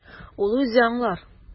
Ул үзе аңлар.